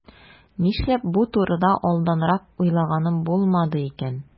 Нишләп бу турыда алданрак уйлаганым булмады икән?